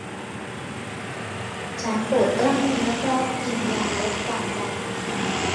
ฉันปวดกล้ามเนื้อเพราะกินยาลดความดัน